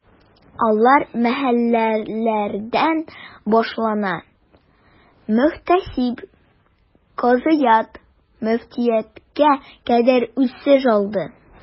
Алар мәхәлләләрдән башлана, мөхтәсиб, казыят, мөфтияткә кадәр үсеш алды.